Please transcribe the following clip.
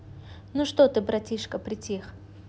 ну что ты братишка притих